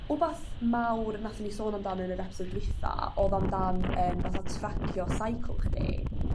wbath mawr nathon ni sôn amdan yn yr episode dwitha o'dd amdan yym fatha tracio cycle chdi